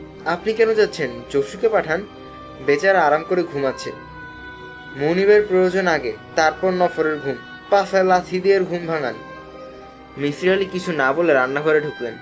আপনি কেন যাচ্ছেন জুসুকে পাঠান বেচারা আরাম করে ঘুমাচ্ছে মনিবের প্রয়োজন আগে তারপর নফরের ঘুম পাছায় লাথি দিয়ে এর ঘুম ভাঙ্গান মিসির আলি কিছু না বলে রান্না ঘরে ঢুকলেন